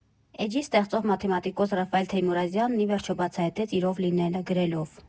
Էջի ստեղծող մաթեմատիկոս Ռաֆայել Թեյմուրազյանն ի վերջո բացահայտեց իր ով լինելը՝ գրելով.